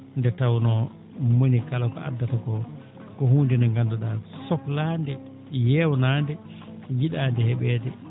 nde tawnoo mo woni kala ko addata koo ko huunde nde ngandu?aa sohlaande yeewnaade yi?aande he?eede